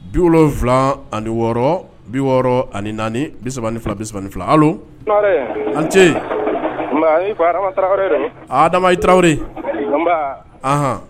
Bi wolofila ani wɔɔrɔ bi wɔɔrɔ ani naani bi3 ni fila bi3 ni fila an ce adama i tarawelere anɔn